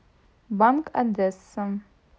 банк одесса